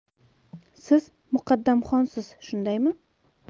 siz muqaddamxonsiz shundaymi